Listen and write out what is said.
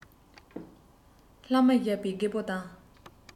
ལྷག མ བཞག པས རྒད པོ དང